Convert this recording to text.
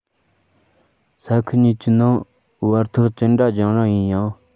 ས ཁུལ གཉིས ཀྱི ནང བར ཐག ཅི འདྲ རྒྱང རིང ཡིན ཡང